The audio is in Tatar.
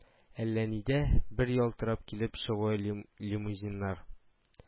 Әллә нидә бер ялтырап килеп чыгуы ли лимузиннар